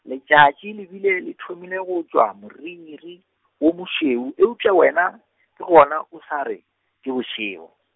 letšatši le bile le thomile go tšwa moriri, wo mošweu eupša wena, ke gona o sa re, ke bošego.